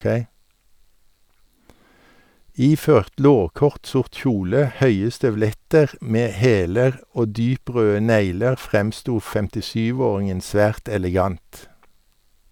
Iført lårkort sort kjole, høye støvletter med hæler og dyprøde negler fremsto 57-åringen svært elegant.